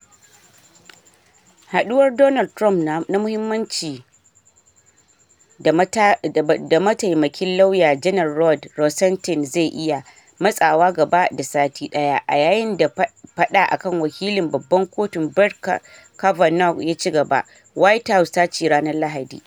Haduwar Donald Trump na mahimmanci da mataimakin lauya janar Rod Rosenstein zai iya “matsawa gaba da sati daya” a yayin da fada akan waklin babban kotu Brett Kavanaugh ya ci gaba, White House ta ce ranar Lahadi.